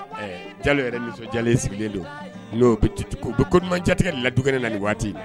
Ɛ ja yɛrɛ ja sigilen don n'o koman jatigɛ ladnen na nin waati